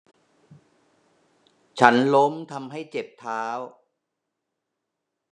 ฉันล้มทำให้เจ็บเท้า